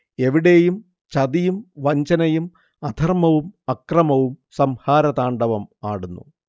എവിടെയും ചതിയും വഞ്ചനയും, അധർമ്മവും അക്രമവും സംഹാരതാണ്ഡവം ആടുന്നു